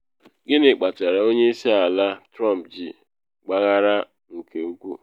Gịnị kpatara Onye Isi Ala Trump ji gbaghara nke ukwuu?